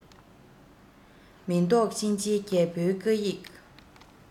མི བཟློག གཤིན རྗེ རྒྱལ པོའི བཀའ ཡིག